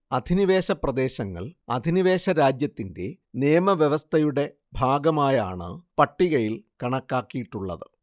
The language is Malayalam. അധിനിവേശപ്രദേശങ്ങൾ അധിനിവേശരാജ്യത്തിന്റെ നിയമവ്യവസ്ഥയുടെ ഭാഗമായാണ് പട്ടികയിൽ കണക്കാക്കിയിട്ടുള്ളത്